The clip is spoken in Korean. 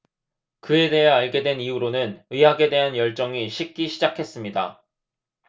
그에 대해 알게 된 이후로는 의학에 대한 열정이 식기 시작했습니다